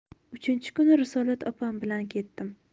uchinchi kuni risolat opam bilan ketdim